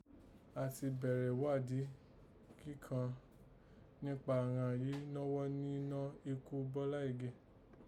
A ti bẹ̀rẹ̀ ìghádìí kíkọ́n nípa àghan yìí nọ́ghọ́ nínọ́ ikú Bọ́lá Ìgè